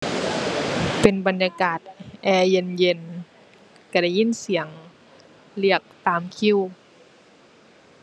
เป็นบรรยากาศแอร์เย็นเย็นก็ได้ยินเสียงเรียกตามคิว